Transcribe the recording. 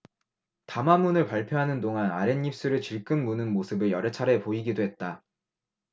담화문을 발표하는 동안 아랫입술을 질끈 무는 모습을 여러차례 보이기도 했다